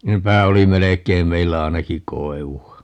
nepä oli melkein meillä ainakin koivua